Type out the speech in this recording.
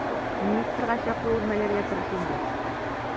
Министрга чаклы үрмәләргә тырыш инде.